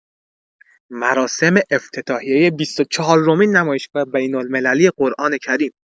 مراسم افتتاحیه بیست و چهارمین نمایشگاه بین‌المللی قرآن کریم